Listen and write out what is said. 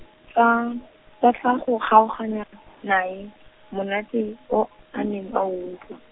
tsa kwa tla go kgaogana, nae, monate, o, a neng a utlwa.